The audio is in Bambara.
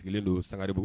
Sigilen don sa de bɔ